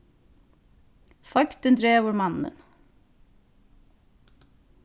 feigdin dregur mannin